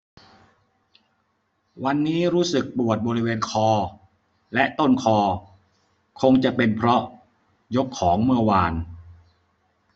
วันนี้รู้สึกปวดบริเวณคอและต้นคอคงจะเป็นเพราะยกของเมื่อวาน